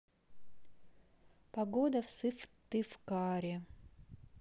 погода в сыктывкаре